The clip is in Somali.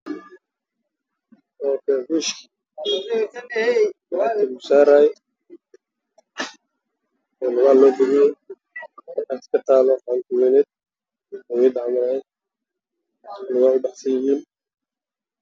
Waa cagaf meel taagan